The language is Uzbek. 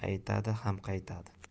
ham aytadi ham qaytadi